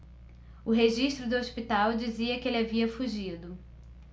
o registro do hospital dizia que ele havia fugido